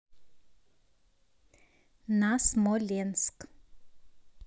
на смоленск